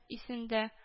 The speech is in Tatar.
Исендә